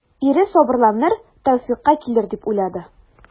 Ире сабырланыр, тәүфыйкка килер дип уйлады.